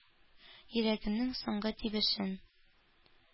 Йөрәгемнең соңгы тибешен!